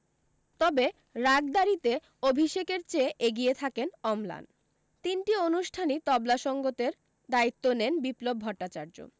তবে রাগদারিতে অভিষেকের চেয়ে এগিয়ে থাকেন অমলান তিনটি অনুষ্ঠানই তবলা সঙ্গতের দায়িত্ব নেন বিপ্লব ভট্টাচার্য